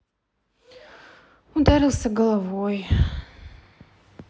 ударился головой